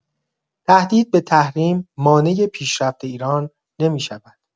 تهدید به تحریم مانع پیشرفت ایران نمی‌شود.